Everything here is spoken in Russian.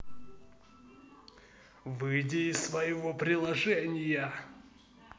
выйди из своего приложения